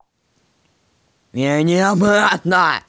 верни обратно